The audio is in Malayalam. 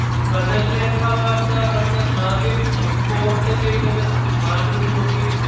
ബദൽരേഖാ വാർത്ത അന്ന് ആദ്യം റിപ്പോർട്ടുചെയ്തത് മാതൃഭൂമി